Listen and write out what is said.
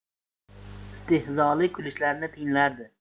istehzoli kulishlarini tinglardi